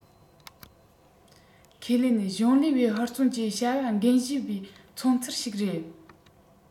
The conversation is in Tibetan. ཁས ལེན གཞུང ལས པའི ཧུར བརྩོན གྱིས བྱ བ འགན བཞེས པའི མཚོན ཚུལ ཞིག རེད